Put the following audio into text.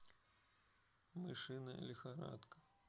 мышиная лихорадка